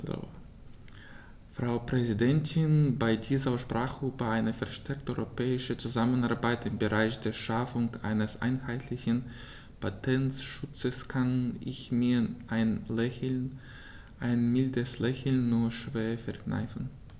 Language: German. Frau Präsidentin, bei dieser Aussprache über eine verstärkte europäische Zusammenarbeit im Bereich der Schaffung eines einheitlichen Patentschutzes kann ich mir ein Lächeln - ein mildes Lächeln - nur schwer verkneifen.